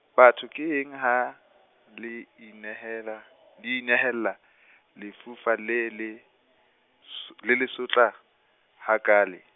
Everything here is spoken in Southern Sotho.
batho ke eng ha, le inehela, le inehella, lefufa le le, s-, le le sotla, hakaale?